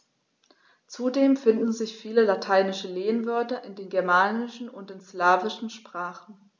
Zudem finden sich viele lateinische Lehnwörter in den germanischen und den slawischen Sprachen.